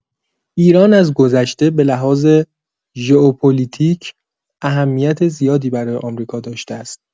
ایران از گذشته به لحاظ ژئوپولیتیک اهمیت زیادی برای آمریکا داشته است.